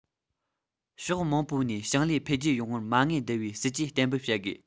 ཕྱོགས མང པོ ནས ཞིང ལས འཕེལ རྒྱས ཡོང བར མ དངུལ བསྡུ བའི སྲིད ཇུས གཏན འབེབས བྱ དགོས